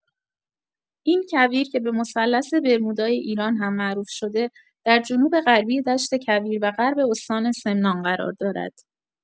این کویر که به مثلث برمودای ایران هم معروف شده در جنوب‌غربی دشت کویر و غرب استان سمنان قرار دارد.